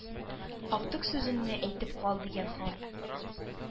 Актык сүзеңне әйтеп кал,— дигән хан.